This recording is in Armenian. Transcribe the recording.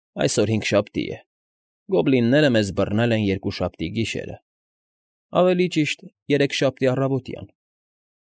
Այսօր հինգշաբթի է, գոբլինները մեզ բռնել են երկուշաբթի գիշերը, ավելի ճիշտ, երեքշաբթի առավոտյան։